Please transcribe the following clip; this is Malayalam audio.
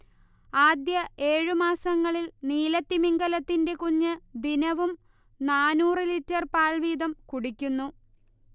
ആദ്യ ഏഴു മാസങ്ങളിൽ നീലത്തിമിംഗിലത്തിന്റെ കുഞ്ഞ് ദിനവും നാന്നൂറ് ലിറ്റർ പാൽ വീതം കുടിക്കുന്നു